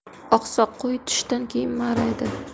oqsoq qo'y tushdan keyin ma'raydi